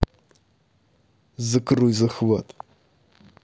закрой захват